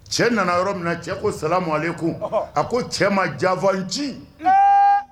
Cɛ nana yɔrɔ min na cɛ ko salamuwalekun ɔhɔ a ko cɛ ma janfanci eee